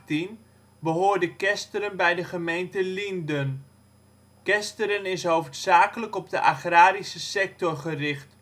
1811 tot 1818 behoorde Kesteren bij de gemeente Lienden. Kesteren is hoofdzakelijk op de agrarische sector gericht.